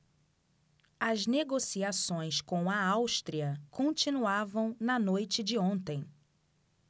as negociações com a áustria continuavam na noite de ontem